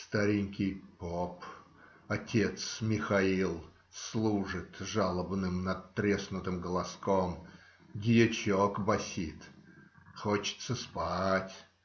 Старенький поп, отец Михаил, служит жалобным, надтреснутым голоском дьячок басит. Хочется спать.